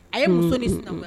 A ye muso de